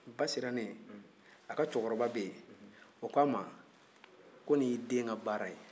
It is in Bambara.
ba sirannen a ka cɛkɔrɔba bɛ yen o ko a ma ko n'i y'i den ka baara ye